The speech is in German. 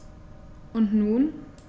Und nun?